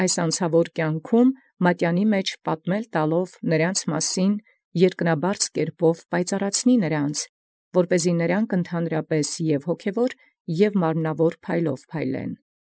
Զի անցաւոր ժամանակաւքս մատենապատում երկնաբերձ պայծառացուցեալ, զհոգեղինացն և զմարմնականացն առ հասարակ փայլիցեն։